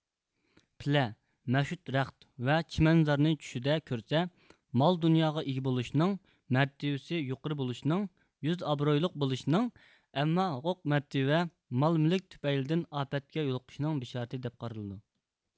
پىلە مەشۈت رەخت ۋە چىمەنزارنى چۈشىدە كۆرسە مال دۇنياغا ئىگە بولۇشنىڭ مەرتىۋىسى يۇقىرى بولۇشنىڭ يۈز ئابرۇيلۇق بولۇشنىڭ ئەمما ھوقوق مەرتىۋە مال مۈلۈك تۈپەيلىدىن ئاپەتكە يولۇقۇشنىڭ بىشارىتى دەپ قارىلىدۇ